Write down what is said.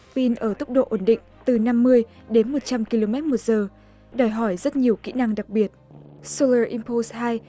pin ở tốc độ ổn định từ năm mươi đến một trăm ki lô mét một giờ đòi hỏi rất nhiều kỹ năng đặc biệt xô lờ in pô hai